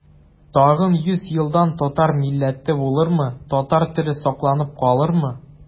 Тагын йөз елдан татар милләте булырмы, татар теле сакланып калырмы?